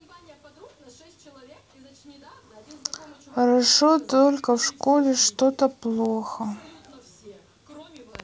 хорошо только в школе что то плохо